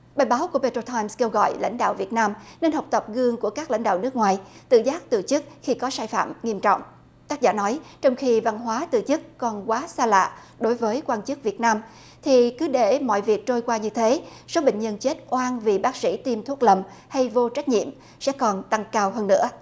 bài báo của pê trô tham kêu gọi lãnh đạo việt nam nên học tập gương của các lãnh đạo nước ngoài tự giác từ chức khi có sai phạm nghiêm trọng tác giả nói trong khi văn hóa từ chức còn quá xa lạ đối với quan chức việt nam thì cứ để mọi việc trôi qua như thế số bệnh nhân chết oan vì bác sĩ tiêm thuốc lầm hay vô trách nhiệm sẽ còn tăng cao hơn nữa